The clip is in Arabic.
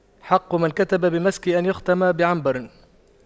حق من كتب بمسك أن يختم بعنبر